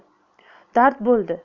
dard bo'ldi